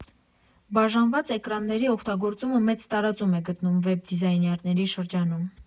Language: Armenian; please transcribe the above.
Բաժանված էկրանների օգտագործումը մեծ տարածում է գտնում վեբ դիզայներների շրջանում։